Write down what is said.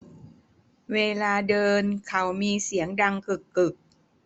เวลาเดินเข่ามีเสียงดังกึกกึก